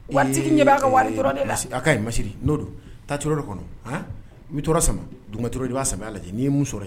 Warititigi ɲɛ b'a ka warii dɔrɔnw de la, ee ma cherie ,a kaɲi ma cherie n'o don, taa trioir kɔnɔ i bɛ trioir sama, ka dugu ma trioir i b'a sama ka bɔ, i b'a lajɛ, n'i ye min sɔrɔ yen.